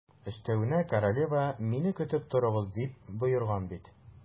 Өстәвенә, королева: «Мине көтеп торыгыз», - дип боерган бит.